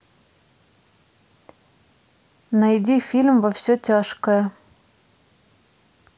найди фильм во все тяжкое